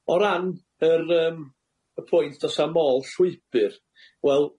O ran yr yym y pwynt do's 'a'm ôl llwybyr, wel